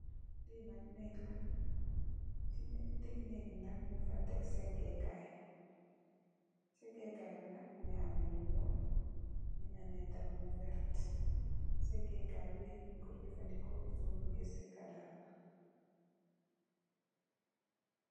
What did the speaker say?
Li nak nèeg ci digi nèeg bi nak, nung fa def sègèkaay. Sègèkaay bi nak mungi ameh lu ñuul, mungi ameh tamit lu vert. Sègèkaay bi nung koy jafadeko su bu gè sèga dara.